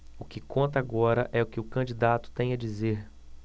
o que conta agora é o que o candidato tem a dizer